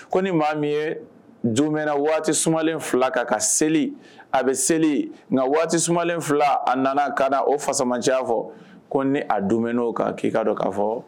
Ko ni maa min ye jo mɛnɛna waati sumalen fila ka ka seli a bɛ seli nka waati su fila a nana ka na o fasamacɛ fɔ ko ni a don' ka k'i ka dɔn k kaa fɔ